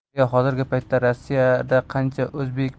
daryo hozirgi paytda rossiyada qancha o'zbek